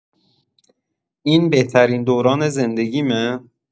این بهترین دوران زندگیمه؟